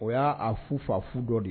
O y'a fu faa fu dɔ de